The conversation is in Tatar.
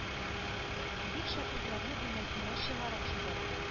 Дип, шәкертләрне бүлмәсеннән чыгарып җибәрде.